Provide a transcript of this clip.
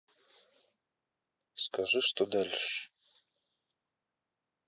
скажи что дальше